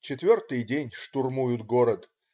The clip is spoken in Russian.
Четвертый день штурмуют город.